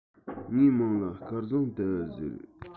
ངའི མིང ལ སྐལ བཟང ཟླ བ ཟེར